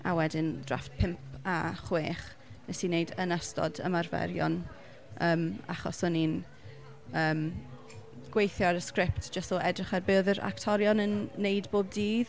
A wedyn drafft pump a chwech wnes i wneud yn ystod ymarferion yym achos o'n i'n yym gweithio ar y sgript jyst o edrych ar be oedd yr actorion yn wneud bob dydd.